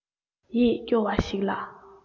ཡིད སྐྱོ བ ཞིག ལ